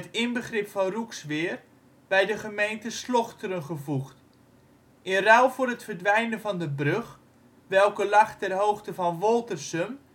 inbegrip van Roeksweer, bij de gemeente Slochteren gevoegd. In ruil voor het verdwijnen van de brug, welke lag ter hoogte van Woltersum